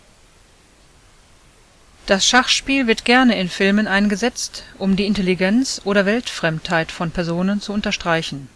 Das Schachspiel wird gerne in Filmen eingesetzt, um die Intelligenz oder Weltfremdheit von Personen zu unterstreichen